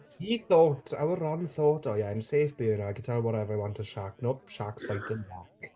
He thought our Ron thought "Oh yeah I'm safe by here now." I can tell whatever I want to Shaq. Nope, Shaq's fighting back.